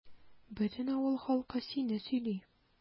Бөтен авыл халкы сине сөйли.